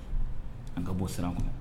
An ka bɔ siran kɔnɔ